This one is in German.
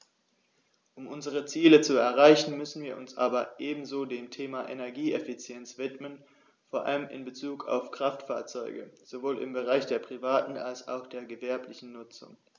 Um unsere Ziele zu erreichen, müssen wir uns aber ebenso dem Thema Energieeffizienz widmen, vor allem in Bezug auf Kraftfahrzeuge - sowohl im Bereich der privaten als auch der gewerblichen Nutzung.